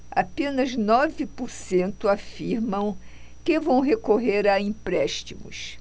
apenas nove por cento afirmam que vão recorrer a empréstimos